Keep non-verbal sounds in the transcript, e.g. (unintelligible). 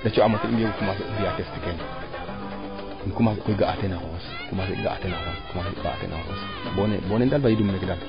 ten coox axamo ten im commencer fiya teen (unintelligible) im commencer koy ga'a teena xoxes commencer ga'a teena xoxes bo nene daal o leŋ dimle kiraam